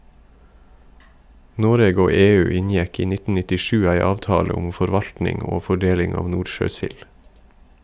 Noreg og EU inngjekk i 1997 ei avtale om forvaltning og fordeling av nordsjøsild.